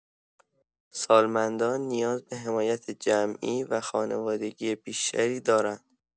سالمندان نیاز به حمایت جمعی و خانوادگی بیشتری دارند.